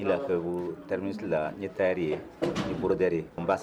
N' lafi tarisi la ye tari ye ni mori da